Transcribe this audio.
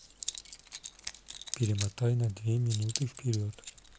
перемотай на две минуты вперед